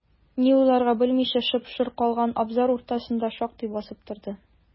Ни уйларга белмичә, шып-шыр калган абзар уртасында шактый басып торды.